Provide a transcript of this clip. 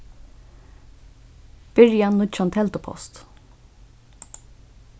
byrja nýggjan teldupost